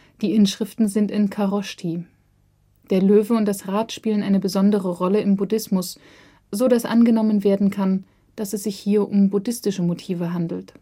Die Inschriften sind in Kharoshthi. Der Löwe und das Rad spielen eine besondere Rolle im Buddhismus, so das angenommen werden kann, dass es sich hier um buddhistische Motive handelt